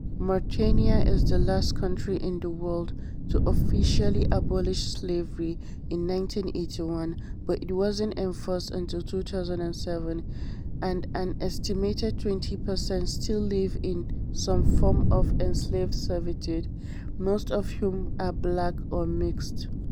Mauritania is the last country in the world to officially abolish slavery in 1981 but it wasn't enforced until 2007 and an estimated 20 percent still live in some form of enslaved servitude, most of whom are black or mixed.